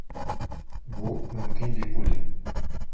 Бу мөмкин дип уйлыйм.